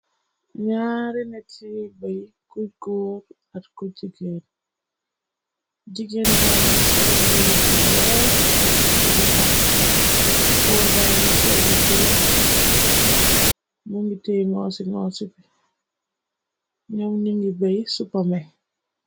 Ñaare net sarib bay kuj góor at kuj jigleen jigeen ga ngi sol yirebu weex ak sep bu xong góor ba ni soll bu la mu ngi te moo ci no sufi ñoom ni ngi bey supame.